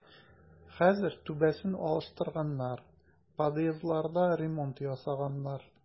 Хәзер түбәсен алыштырганнар, подъездларда ремонт ясаганнар.